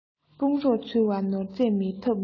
དཔུང རོགས འཚོལ བར ནོར རྫས མེད ཐབས མེད